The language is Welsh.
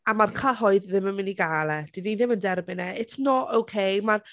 A mae'r cyhoedd ddim yn mynd i gael e. Dan ni ddim yn derbyn e. It's not okay, ma'r...